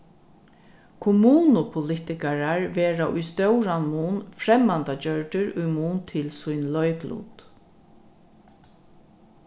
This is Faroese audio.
kommunupolitikarar verða í stóran mun fremmandagjørdir í mun til sín leiklut